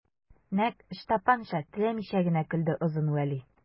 Нәкъ Ычтапанча теләмичә генә көлде Озын Вәли.